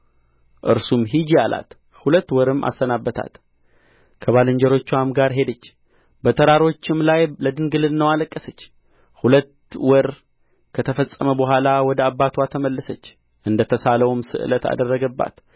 እርሱም ሂጂ አለ ሁለት ወርም አሰናበታት ከባልንጀሮችዋም ጋር ሄደች በተራሮችም ላይ ለድንግልናዋ አለቀሰች ሁለትም ወር ከተፈጸመ በኋላ ወደ አባትዋ ተመለሰች እንደ ተሳለውም ስእለት አደረገባት